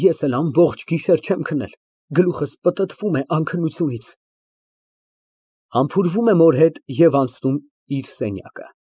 Ես էլ ամբողջ գիշեր չեմ քնել, գլուխս պտտվում է անքնությունից։ (Համբուրվում է մոր հետ և անցնում իր սենյակ)։